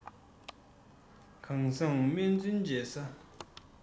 གང བཟང སྨན བཙུན མཇལ ས